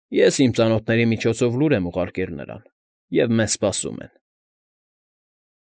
Ես իմ ծանոթների միջոցով լուր եմ ուղարկել նրան, և մեզ սպասում են։